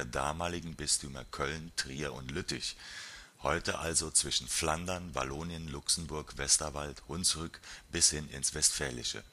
damaligen Bistümer Köln, Trier und Lüttich (heute also zwischen Flandern, Wallonien, Luxemburg, Westerwald, Hunsrück bis hin ins Westfälische